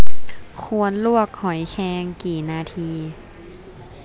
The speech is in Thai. ควรลวกหอยแครงกี่นาที